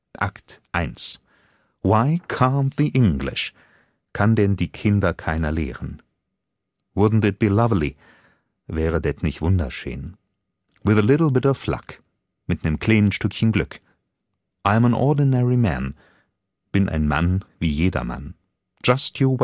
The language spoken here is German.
Akt I Why Can’ t the English? (Kann denn die Kinder keiner lehren?) Wouldn’ t It be Loverly? (Wäre det nich wundascheen?) With a Little Bit of Luck (Mit’ nem kleenen Stückchen Glück) I’ m an Ordinary Man (Bin ein Mann wie jeder Mann) Just You